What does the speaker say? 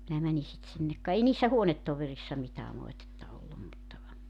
minä menin sitten sinne ka ei niissä huonetovereissa mitään moitetta ollut mutta